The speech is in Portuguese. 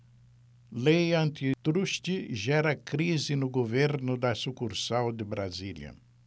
lei antitruste gera crise no governo da sucursal de brasília